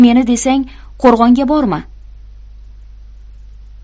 meni desang qo'rg'onga borma